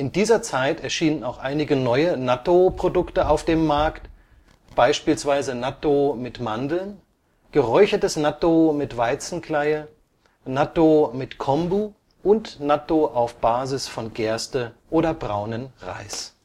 dieser Zeit erschienen auch einige neue Nattō-Produkte auf dem Markt, beispielsweise Nattō mit Mandeln, geräuchertes Nattō mit Weizenkleie, Nattō mit Kombu und Nattō auf Basis von Gerste oder braunem Reis